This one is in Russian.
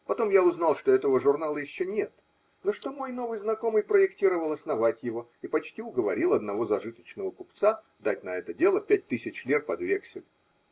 Потом я узнал, что этого журнала еще нет, но что мой новый знакомый проектировал основать его и почти уговорил одного зажиточного купца дать на это дело пять тысяч лир под вексель